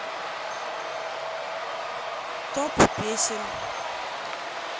топ песен